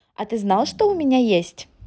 а ты знал что у меня есть